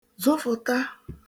zụfụ̀ta